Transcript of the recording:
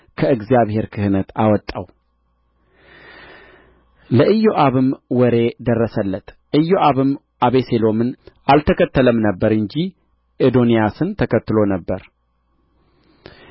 ከእግዚአብሔር ክህነት አወጣው ለኢዮአብም ወሬ ደረሰለት ኢዮአብም አቤሴሎምን አልተከተለም ነበር እንጂ አዶንያስን ተከትሎ ነበር ኢዮአብም ወደ እግዚአብሔር ድንኳን ሸሽቶ የመሠዊያውን ቀንድ ያዘ ንጉሡም ሰሎሞን